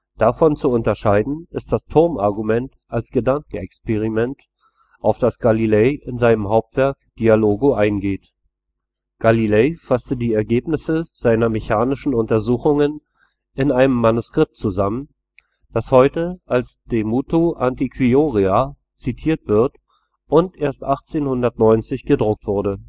Davon zu unterscheiden ist das Turmargument als Gedankenexperiment, auf das Galilei in seinem Hauptwerk Dialogo eingeht. Galilei fasste die Ergebnisse seiner mechanischen Untersuchungen in einem Manuskript zusammen, das heute als De motu antiquiora zitiert wird und erst 1890 gedruckt wurde